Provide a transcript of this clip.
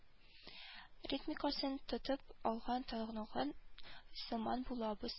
Ритмикасын тотып алган таныган сыман булабыз